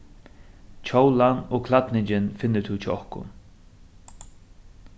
kjólan og klædningin finnur tú hjá okkum